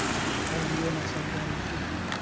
tarbiya nasabdan muhim